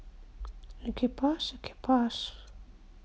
экипаж экипаж